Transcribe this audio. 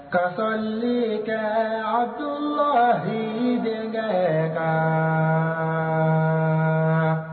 Ka' sɔrɔ le kɛ a tun deli letigɛ ka